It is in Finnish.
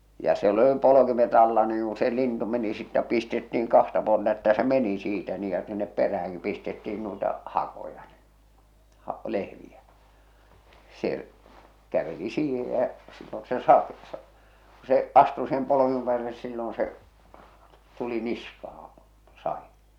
ja siellä oli polkimet alla niin kun se lintu meni sitten pistettiin kahta puolta että se meni siitä niin ja sinne peräänkin pistettiin noita hakoja niin - lehviä se käveli siihen ja silloin se -- kun se astui siihen polkimen päälle niin silloin se tuli niskaan sadin